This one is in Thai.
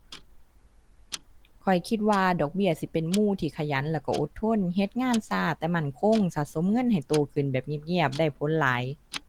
ข้อยคิดว่าดอกเบี้ยสิเป็นหมู่ที่ขยันแล้วก็อดทน เฮ็ดงานก็แต่มั่นคง สะสมเงินให้โตขึ้นแบบเงียบเงียบ ได้ผลหลาย